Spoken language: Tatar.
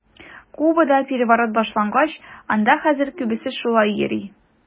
Кубада переворот булгач, анда хәзер күбесе шулай йөри.